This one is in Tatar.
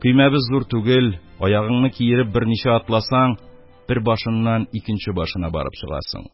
Көймәбез зур түгел, аягыңны киереп берничә атласаң, бер башыннан икенче башына барып чыгасың.